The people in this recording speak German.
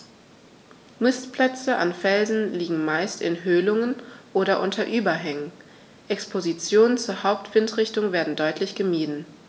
Nistplätze an Felsen liegen meist in Höhlungen oder unter Überhängen, Expositionen zur Hauptwindrichtung werden deutlich gemieden.